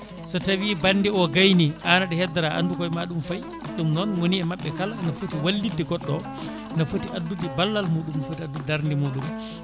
so tawi bande o gayni an aɗa heddora andu koye ma ɗum faayi ɗum noon moni e mabɓe kala ne footi wallidde goɗɗo o ne footi addude ballal muɗum ne footi addude darde muɗum